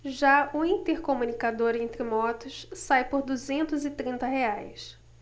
já o intercomunicador entre motos sai por duzentos e trinta reais